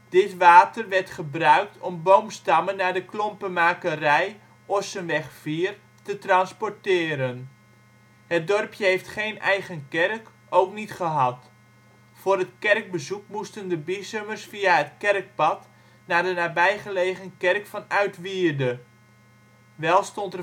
Dit water werd gebruikt om boomstammen naar de klompenmakerij (Ossenweg 4) te transporteren. Het dorpje heeft geen eigen kerk, ook niet gehad. Voor het kerkbezoek moesten de Biessumers via het kerkpad naar de nabijgelegen Kerk van Uitwierde. Wel stond